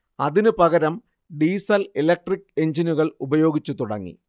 അതിനുപകരം diesel electric എഞ്ചിനുകൾ ഉപയോഗിച്ചു തുടങ്ങി